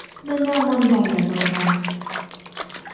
Менә монда язылган.